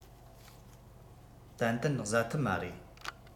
ཏན ཏན བཟའ ཐུབ མ རེད